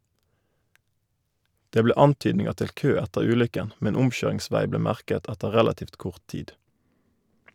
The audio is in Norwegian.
Det ble antydninger til kø etter ulykken, men omkjøringsvei ble merket etter relativt kort tid.